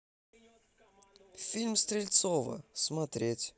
фильм стрельцова смотреть